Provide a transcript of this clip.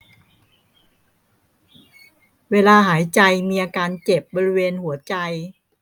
เวลาหายใจมีอาการเจ็บบริเวณหัวใจ